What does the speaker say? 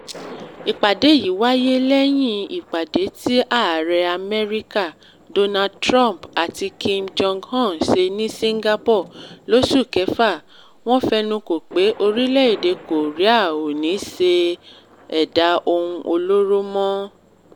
Ìpàdé yìí wáyé lẹ́yìn ìpàdé tí Ààrẹ Amẹ́ríkà, Donald Trump àti Kim Jong-un ṣe ní Singapore lóṣù kẹfà. Wọ́n fẹnuko pé orílẹ̀-èdè Korea ‘ò ní ṣẹ̀dá ohun olóró mọ́.